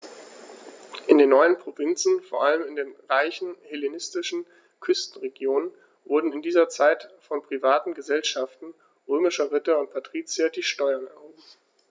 In den neuen Provinzen, vor allem in den reichen hellenistischen Küstenregionen, wurden in dieser Zeit von privaten „Gesellschaften“ römischer Ritter und Patrizier die Steuern erhoben.